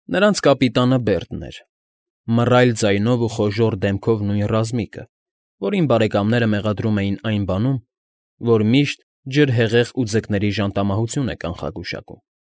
Նրանց կապիտանը Բերդն էր, մռայլ ձայնով ու խոժոռ դեմքով նույն ռազմիկը, որին բարեակամները մեղադրում էին այն բանում, որ միշտ ջրհեղեղ ու ձկների ժանտամահություն է կանխագուշակում։